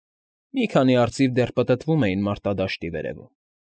Մի քանի արծիվ դեռ պտտվում էին մարտադաշտի վերևում։